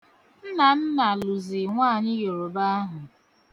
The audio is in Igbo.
Nnanna lụzi nwaanyị Yoroba ahụ.